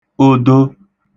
odo